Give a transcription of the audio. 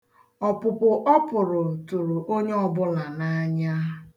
Ọpụpụ ọ pụrụ tụrụ onye ọbụla n'anya.